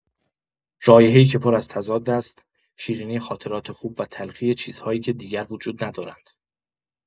رایحه‌ای که پر از تضاد است؛ شیرینی خاطرات خوب و تلخی چیزهایی که دیگر وجود ندارند.